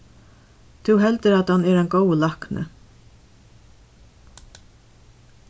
tú heldur at hann er ein góður lækni